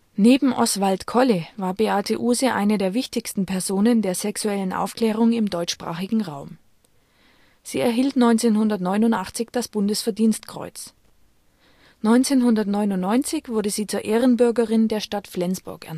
Neben Oswalt Kolle war Beate Uhse eine der wichtigsten Personen der sexuellen Aufklärung im deutschsprachigen Raum. Sie erhielt 1989 das Bundesverdienstkreuz, 1999 wurde sie zur Ehrenbürgerin der Stadt Flensburg